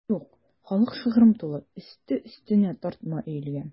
Юк, халык шыгрым тулы, өсте-өстенә тартма өелгән.